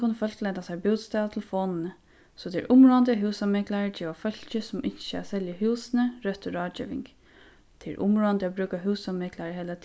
kunnu fólk leita sær bústað á telefonini so tað er umráðandi at húsameklarar geva fólki sum ynskja at selja húsini røttu ráðgeving tað er umráðandi at brúka húsameklarar í heila